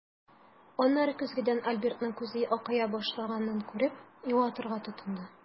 Аннары көзгедән Альбертның күзе акая башлаганын күреп, юатырга тотынды.